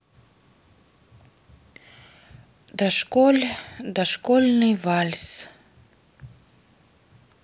дошколь дошкольный вальс